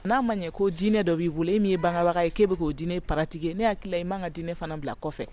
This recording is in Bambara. n'a ma ɲɛ ko diinɛ dɔ b'i bolo e min ye bangebaga ye k'e bɛ k'o diinɛ paratike ne hakili la i man kan ka diinɛ fana bila kɔfɛ